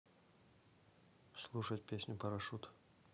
слушать песню парашют